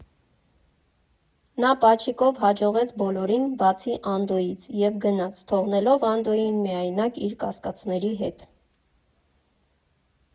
Նա պաչիկով հաջողեց բոլորին, բացի Անդոյից, և գնաց՝ թողնելով Անդոյին միայնակ իր կասկածների հետ։